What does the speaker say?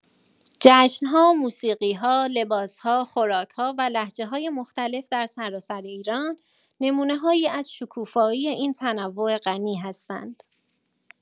جشن‌ها، موسیقی‌‌ها، لباس‌ها، خوراک‌ها و لهجه‌های مختلف در سراسر ایران، نمونه‌هایی از شکوفایی این تنوع غنی هستند.